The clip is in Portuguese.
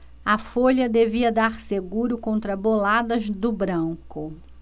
a folha devia dar seguro contra boladas do branco